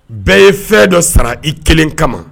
Bɛɛ ye fɛn dɔ sara i kelen kama